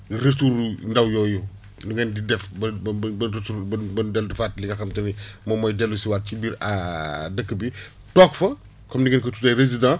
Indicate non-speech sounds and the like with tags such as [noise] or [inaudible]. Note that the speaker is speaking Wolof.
retour ndaw yooyu nu ngeen di def ba ba ba dootul ba du fàtte li nga xam te ne moom mooy dellu si waat ci biir [hesitation] dëkk bi [breath] toog fa comme ni ngeen ko tuddee résident